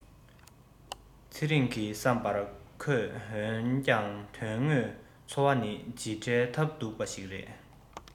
ཚེ རིང གི བསམ པར ཁོས འོན ཀྱང དོན དངོས འཚོ བ ནི ཇི འདྲའི ཐབས སྡུག པ ཞིག རེད